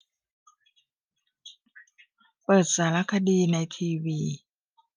เปิดสารคดีในทีวี